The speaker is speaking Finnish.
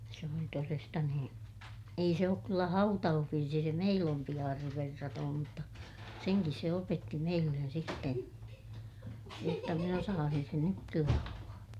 se oli todesta nuo ei se ole kyllä hautausvirsi se meill ompi aarre verraton mutta senkin se opetti meille sitten jotta minä osaisin sen nytkin laulaa